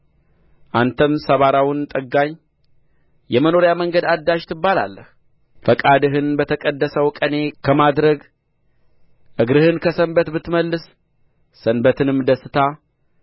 አንተም ሰባራውን ጠጋኝ የመኖሪያ መንገድን አዳሽ ትባላለህ ፈቃድህን በተቀደሰው ቀኔ ከማድረግ እግርህን ከሰንበት ብትመልስ ሰንበትንም ደስታ